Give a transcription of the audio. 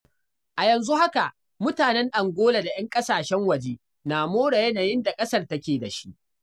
A yanzu haka, mutanen Angola da 'yan ƙasashen waje na more yanayin da ƙasar take da shi.